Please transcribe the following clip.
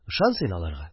Ышан син аларга